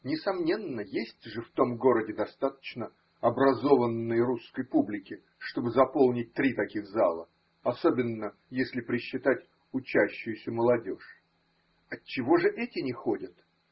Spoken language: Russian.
Несомненно, есть же в том городе достаточно образованной русской публики, чтобы заполнить три таких зала, особенно, если присчитать учащуюся молодежь. Отчего же эти не ходят?